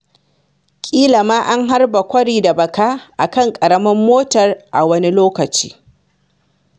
ƙila ma an harba kwari da baka a kan ƙaramar motar a wani lokaci.